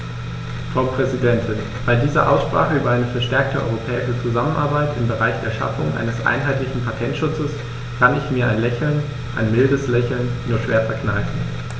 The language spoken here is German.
Frau Präsidentin, bei dieser Aussprache über eine verstärkte europäische Zusammenarbeit im Bereich der Schaffung eines einheitlichen Patentschutzes kann ich mir ein Lächeln - ein mildes Lächeln - nur schwer verkneifen.